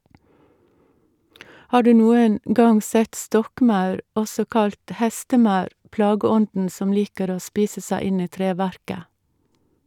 Har du noen gang sett stokkmaur, også kalt hestemaur, plageånden som liker å spise seg inn i treverket?